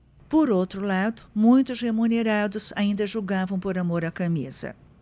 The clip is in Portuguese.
por outro lado muitos remunerados ainda jogavam por amor à camisa